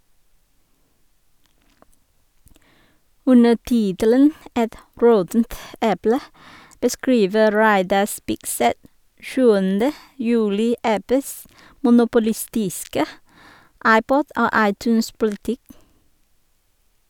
Under tittelen «Et råttent eple» beskriver Reidar Spigseth 7. juli Apples monopolistiske iPod- og iTunes-politikk.